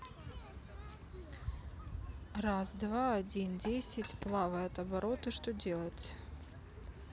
раз два один десять плавает обороты что делать